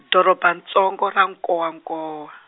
doroba ntsongo ra Nkowankowa.